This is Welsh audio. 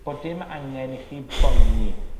bod dim angen i chi boeni